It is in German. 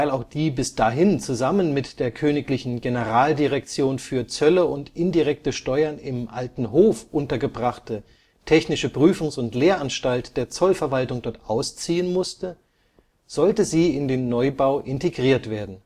auch die bis dahin zusammen mit der königlichen Generaldirektion für Zölle und indirekte Steuern im Alten Hof untergebrachte Technische Prüfungs - und Lehranstalt der Zollverwaltung dort ausziehen musste, sollte sie in den Neubau integriert werden